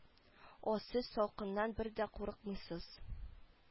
О сез салкыннан бер дә курыкмыйсыз